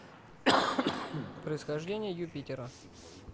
происхождение юпитера